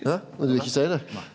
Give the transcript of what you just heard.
ja men du vil ikkje seie det?